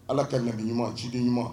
Ala ka nabi ɲuman cidɛn ɲuman